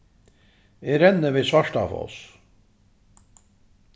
eg renni við svartafoss